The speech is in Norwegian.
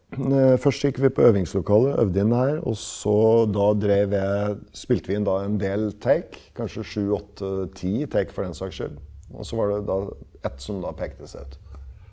først gikk vi på øvingslokale øvde inn der, og så da dreiv jeg spilte vi inn da en del takes, kanskje sju åtte ti takes, for den saks skyld og så var det da ett som da pekte seg ut.